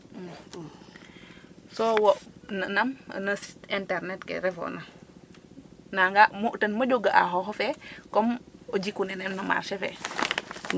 So wo' nam no sit internet ke refoona naga ten moƴo ga'a xooxof fe comme o jiku nene no marché fe ?